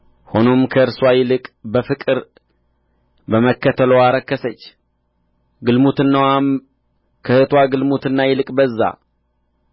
ሆኖም ከእርስዋ ይልቅ በፍቅር በመከተልዋ ረከሰች ግልሙትናዋም ከእኅትዋ ግልሙትና ይልቅ በዛ